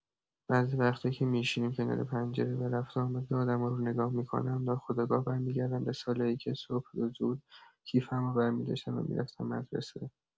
بعضی وقتا که می‌شینم کنار پنجره و رفت‌وآمد آدما رو نگاه می‌کنم، ناخودآگاه برمی‌گردم به سالایی که صبح زود کیفمو برمی‌داشتم و می‌رفتم مدرسه.